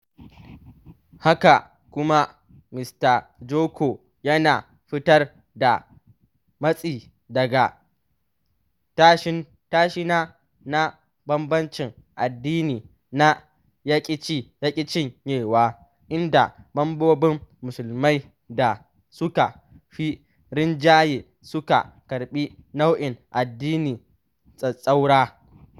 Haka kuma Mista Joko yana fuskantar matsi daga tashin-tashina na banbanci addini da ya-ƙi-ci-ya-ƙi-cinyewa, inda mamobin Musulmai da suka fi rinjaye suka karɓi nau’in addini tsatstsaura.